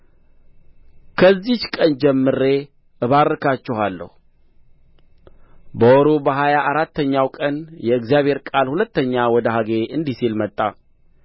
ከዚህች ቀን ጀምሬ እባርካችኋለሁ በወሩ በሀያ አራተኛው ቀን የእግዚአብሔር ቃል ሁለተኛ ወደ ሐጌ እንዲህ ሲል መጣ